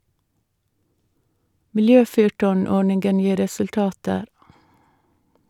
Miljøfyrtårn-ordningen gir resultater.